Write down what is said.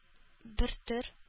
Бертөр